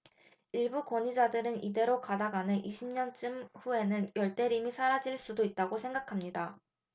일부 권위자들은 이대로 가다가는 이십 년쯤 후에는 열대림이 사라질 수도 있다고 생각합니다